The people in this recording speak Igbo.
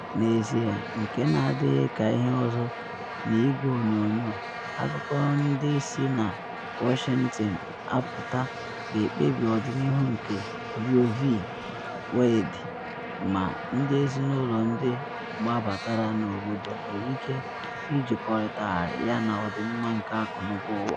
N’ezie, nke na adịghị ka ihe ọzọ na Igwe onyonyoo, akụkọ ndị si na Washington apụta ga-ekpebi ọdịnihu nke Roe v. Wade, ma ndị ezinụlọ ndị gbabatara n’obodo nwere ike ijikọtagharị yana ọdịmma nke akụnụba ụwa.